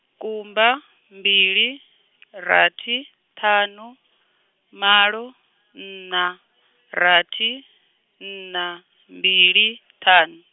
kumba, mbili, rathi, ṱhanu, malo, nṋa, rathi, nṋa, mbili, ṱhanu.